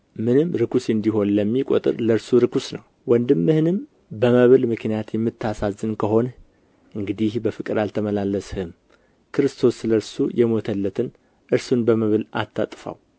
ምንም ርኵስ እንዲሆን ለሚቆጥር ለእርሱ ርኵስ ነው ወንድምህንም በመብል ምክንያት የምታሳዝን ከሆንህ እንግዲህ በፍቅር አልተመላለስህም ክርስቶስ ስለ እርሱ የሞተለትን እርሱን በመብልህ አታጥፋው